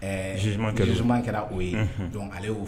Ɛɛ jeliw zman kɛra o ye jɔ ale'o